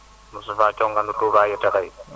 Moustapha Thiongane la Touba Yataxay